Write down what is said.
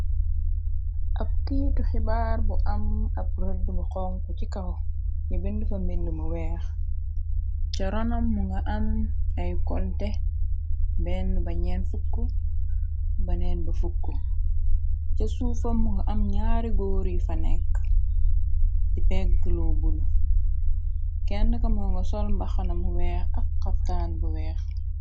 ab kiitu xibaar bu am ab rëdd mu xonku ci kaw ni bind fa mbind mu weex ca ronam mu nga am ay konte benn ba ñeen fukk ba neen ba fukk ca suufam mu nga am ñaari góor yu fa nekk ci pegg lo bulu kenn kamo nga sol mbaxxana mu weex ak xaftaan bu weex